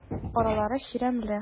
Аралары чирәмле.